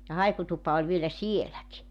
ja haikutupa oli vielä sielläkin